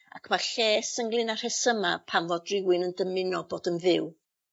ac ma'r lles ynglŷn â rhesyma' pan fod rywun yn dymuno bod yn fyw.